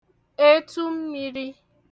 etu mmīrī